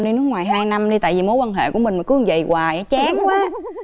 đi nước ngoài hai năm đi tại vì mối quan hệ của mình mà cứ như dậy hoài chán quá